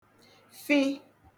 fị